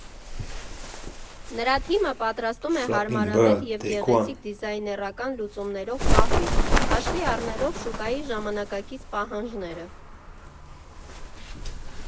Նրա թիմը պատրաստում է հարմարավետ և գեղեցիկ դիզայներական լուծումներով կահույք՝ հաշվի առնելով շուկայի ժամանակակից պահանջները։